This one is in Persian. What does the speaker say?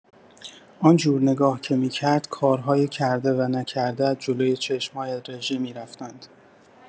آن‌جور نگاه که می‌کرد، کارهای کرده و نکرده‌ات جلوی چشم‌هایت رژه می‌رفتند.